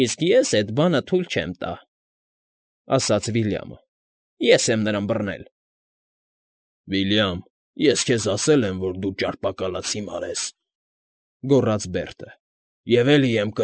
Իսկ ես էդ բանը թույլ չեմ տա,֊ ասաց Վիլյամը։ ֊ Ես եմ նրան բռնել։ ֊ Վիլյամ, ես քեզ ասել եմ, որ դու ճարպակալած հիմար ես,֊ գոռաց Բերտը,֊ և էլի եմ։